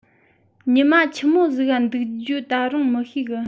ཉི མ ཆི མོ ཟིག ག འདུག རྒྱུའོ ད རུང མི ཤེས གི